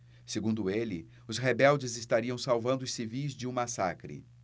segundo ele os rebeldes estariam salvando os civis de um massacre